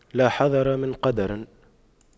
لا حذر من قدر